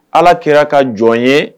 Ala kɛra ka jɔn ye